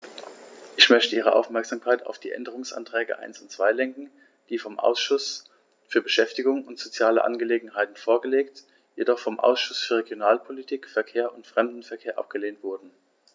Ich möchte Ihre Aufmerksamkeit auf die Änderungsanträge 1 und 2 lenken, die vom Ausschuss für Beschäftigung und soziale Angelegenheiten vorgelegt, jedoch vom Ausschuss für Regionalpolitik, Verkehr und Fremdenverkehr abgelehnt wurden.